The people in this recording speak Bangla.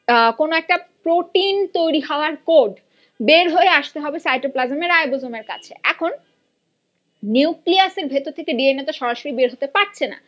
কোন একটা প্রোটিন তৈরি হওয়ার পোর্ট বের হয়ে আসতে হবে সাইটোপ্লাজমের রাইবোজোমের কাছে এখন নিউক্লিয়াসের ভেতর থেকে ডিএন এ তো সরাসরি বের হতে পারছে না